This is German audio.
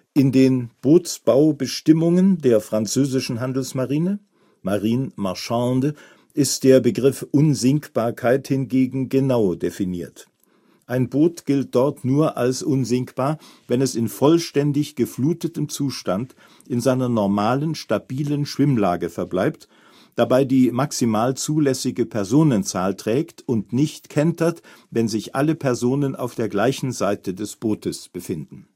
In den Bootsbaubestimmungen der französischen Handelsmarine (Marine Marchande) ist der Begriff Unsinkbarkeit hingegen genau definiert. Ein Boot gilt dort nur als unsinkbar, wenn es in vollständig geflutetem Zustand in seiner normalen, stabilen Schwimmlage verbleibt, dabei die maximal zulässige Personenzahl trägt und nicht kentert, wenn sich alle Personen auf der gleichen Seite des Bootes befinden